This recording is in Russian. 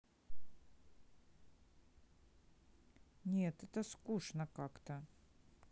нет это скучно как то